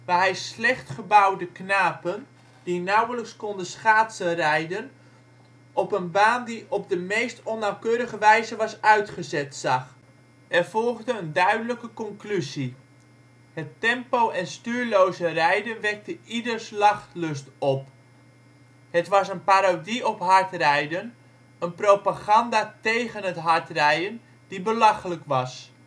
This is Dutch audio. hij ' slecht gebouwde knapen, die nauwelijks konden schaatsenrijden, op een baan die op de meest onnauwkeurige wijze was uitgezet ' zag. Er volgende een duidelijke conclusie: ' het tempo - en stuurloze rijden wekte ieders lachlust op. Het was een parodie op hardrijden, een propaganda tégen het hardrijden die belachelijk was